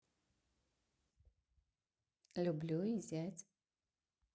люблю и зять